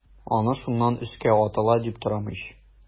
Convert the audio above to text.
Аны шуннан өскә атыла дип торам ич.